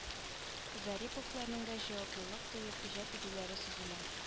Зариповларның да җаваплылык тоеп иҗат итүләре сизелә